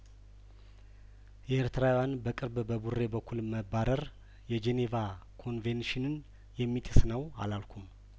የኤርትራውያን በቅርብ በቡሬ በኩል መባረር የጄኔቫ ኮንቬንሽንን የሚጥስ ነው አላልኩም